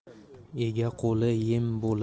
ega qo'li em